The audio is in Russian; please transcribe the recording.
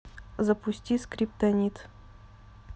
запусти скриптонит